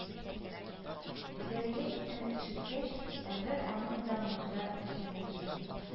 Гүзәлия исемен ишеткәч, Әнвәр аның да монда икәнлеген